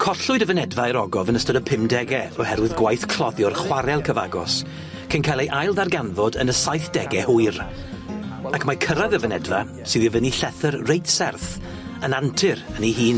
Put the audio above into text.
Collwyd y fynedfa i'r ogof yn ystod y pumdege oherwydd gwaith cloddio'r chwarel cyfagos cyn ca'l ei ailddarganfod yn y saithdege hwyr, ac mae cyrradd y fynedfa, sydd i fyny llethyr reit serth yn antur yn ei hun.